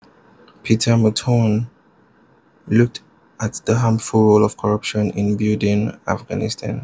Peter Marton looks at the harmful role of corruption in rebuilding Afghanistan.